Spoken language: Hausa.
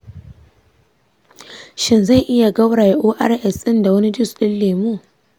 shin zan iya gauraya ors ɗin da wani jus ɗin lemu?